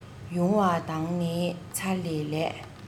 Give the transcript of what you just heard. ཡུང བ དང ནི ཚ ལེ ལས